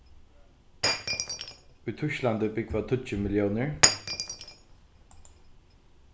í týsklandi búgva tíggju milliónir